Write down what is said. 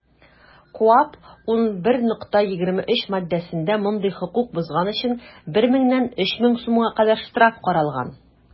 КоАП 11.23 маддәсендә мондый хокук бозган өчен 1 меңнән 3 мең сумга кадәр штраф каралган.